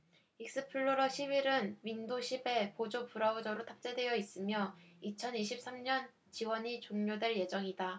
익스플로러 십 일 은 윈도 십 에 보조 브라우저로 탑재되어 있으며 이천 이십 삼 년 지원이 종료될 예정이다